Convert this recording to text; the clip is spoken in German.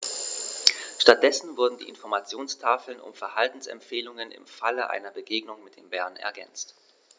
Stattdessen wurden die Informationstafeln um Verhaltensempfehlungen im Falle einer Begegnung mit dem Bären ergänzt.